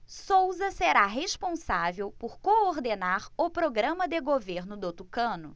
souza será responsável por coordenar o programa de governo do tucano